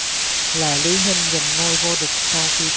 lại lý huynh giành ngôi vô địch sau khi